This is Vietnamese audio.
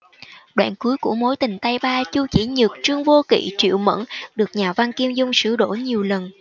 đoạn cuối của mối tình tay ba chu chỉ nhược trương vô kỵ triệu mẫn được nhà văn kim dung sửa đổi nhiều lần